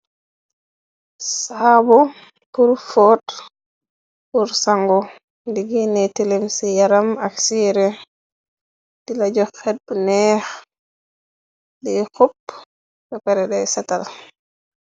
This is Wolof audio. saabu purr fot, purr sangu di gënèè tilim ci yaram ak si yirèh, dila jox xèd bunèèx dey xup bepareh day sèètal.